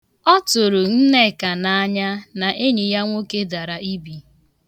Ọ tụrụ Nneka na anya na enyi ya nwoke dara ibi.